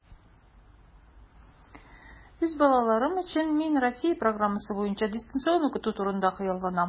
Үз балаларым өчен мин Россия программасы буенча дистанцион укыту турында хыялланам.